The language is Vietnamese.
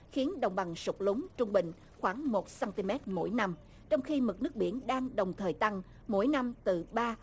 khiến đồng bằng sụt lún trung bình khoảng một xăng ti mét mỗi năm trong khi mực nước biển đang đồng thời tăng mỗi năm từ ba